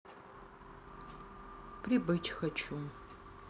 прибыть хочу